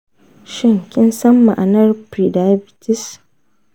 shin kin san ma’anar prediabetes?